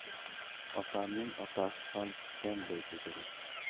otamning otasi ham kutgan bo'lsa kerak